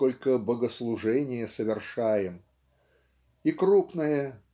сколько богослужение совершаем. И крупное